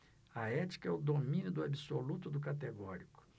a ética é o domínio do absoluto do categórico